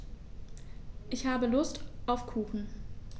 Ich habe Lust auf Kuchen.